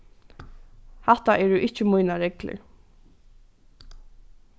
hatta eru ikki mínar reglur